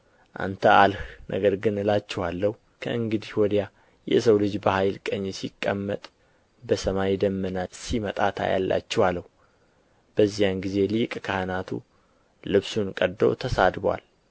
አንተ አልህ ነገር ግን እላችኋለሁ ከእንግዲህ ወዲህ የሰው ልጅ በኃይል ቀኝ ሲቀመጥ በሰማይም ደመና ሲመጣ ታያላችሁ አለው በዚያን ጊዜ ሊቀ ካህናቱ ልብሱን ቀዶ ተሳድቦአል